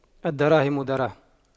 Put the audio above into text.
الدراهم مراهم